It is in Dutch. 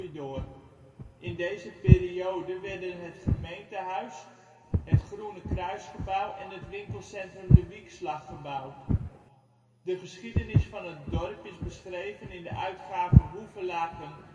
door. in deze periode werden het gemeentehuis (1954), het Groene Kruisgebouw (1954) en het winkelcentrum De Wiekslag (1967) gebouwd. De geschiedenis van het dorp is beschreven in de uitgave " Hoevelaken